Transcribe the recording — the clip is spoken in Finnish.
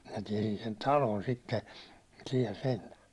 minä tiesin sen talon sitten siellä sentään